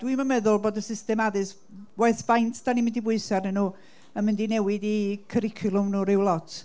Dwi'm yn meddwl bod y system addysg, waeth faint dan ni'n mynd i bwyso arnyn nhw, yn mynd i newid eu cwricwlwm nhw ryw lot.